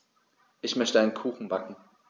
Ich möchte einen Kuchen backen.